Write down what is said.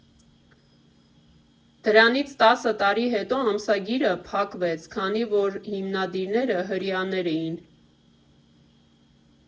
Դրանից տասը տարի հետո ամսագիրը փակվեց, քանի որ հիմնադիրները հրեաներ էին։